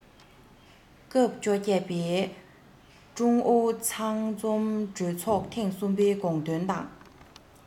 སྐབས བཅོ བརྒྱད པའི ཀྲུང ཨུ ཚང འཛོམས གྲོས ཚོགས ཐེངས གསུམ པའི དགོངས དོན དང